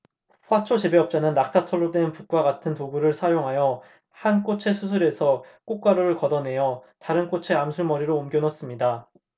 화초 재배업자는 낙타털로 된 붓과 같은 도구를 사용하여 한 꽃의 수술에서 꽃가루를 걷어 내어 다른 꽃의 암술머리로 옮겨 놓습니다